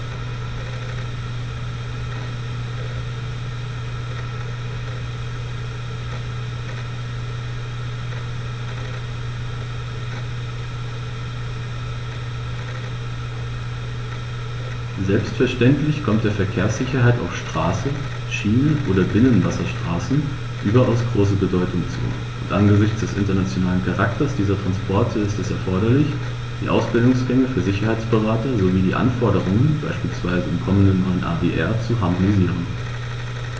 Selbstverständlich kommt der Verkehrssicherheit auf Straße, Schiene oder Binnenwasserstraßen überaus große Bedeutung zu, und angesichts des internationalen Charakters dieser Transporte ist es erforderlich, die Ausbildungsgänge für Sicherheitsberater sowie die Anforderungen beispielsweise im kommenden neuen ADR zu harmonisieren.